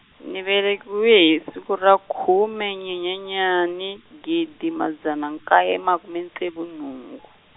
ni velekiwe hi siku ra khume Nyenyenyani gidi madzana nkaye makume ntsevu nhungu.